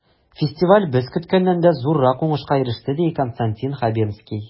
Фестиваль без көткәннән дә зуррак уңышка иреште, ди Константин Хабенский.